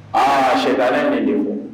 Aa sɛtanɛ ye ni de bɔn.